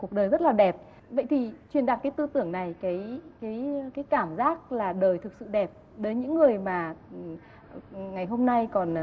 cuộc đời rất là đẹp vậy thì truyền đạt tư tưởng này kí kí cái cảm giác là đời thực sự đẹp đến những người mà ngày hôm nay còn